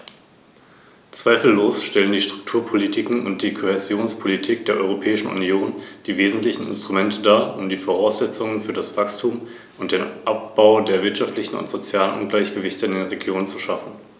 Ich habe mich meiner Stimme enthalten, weil die Frage der Sprachenregelung immer noch nicht ganz geklärt ist.